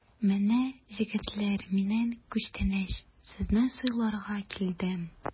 Менә, җегетләр, миннән күчтәнәч, сезне сыйларга килдем!